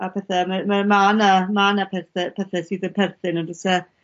a pethe rei- mae e ma' 'na ma' na pethe pethe sydd yn yn perthyn on'd o's e?